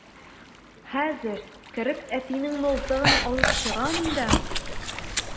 Хәзер кереп әтинең мылтыгын алып чыгам да...